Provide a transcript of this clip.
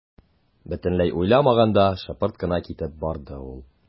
Бөтенләй уйламаганда шыпырт кына китеп барды ул.